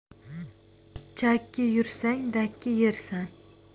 chakki yursang dakki yersan